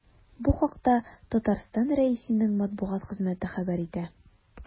Бу хакта Татарстан Рәисенең матбугат хезмәте хәбәр итә.